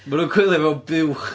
Mae nhw'n coelio mewn buwch.